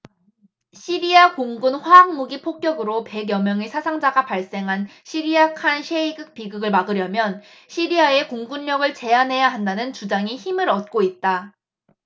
시리아 공군 화학무기 폭격으로 백 여 명의 사상자가 발생한 시리아 칸 셰이칸 비극을 막으려면 시리아의 공군력을 제한해야 한다는 주장이 힘을 얻고 있다